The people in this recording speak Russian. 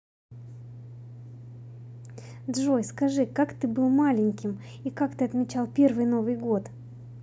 джой скажи как ты был маленьким и как ты отмечался первый новый год